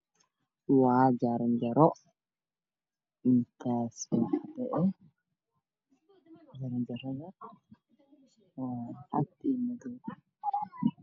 Waa jaran jaran jarowaxayaalo